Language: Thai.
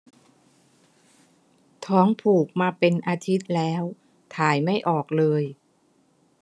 ท้องผูกมาเป็นอาทิตย์แล้วถ่ายไม่ออกเลย